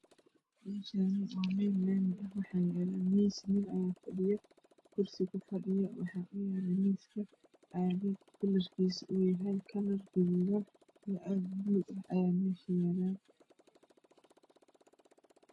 Meeshaan waa meel laami ah waxaa yaalo miis waxaa fadhiyo wiil oo kursi kufadhiyo waxaa miiska u saaran caagag midabkoodu gaduud iyo mid buluug ah.